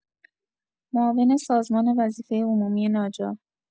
معاون سازمان وظیفه عمومی ناجا